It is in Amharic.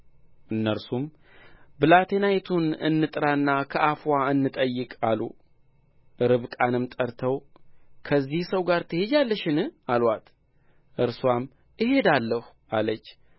እነርሱም ብላቴናይቱን እንጥራና ከአፍዋ እንጠይቅ አሉ ርብቃንም ጠርተው ከዚህ ሰው ጋር ትሄጃለሽን አሉአት እርስዋም እሄዳለሁ አለች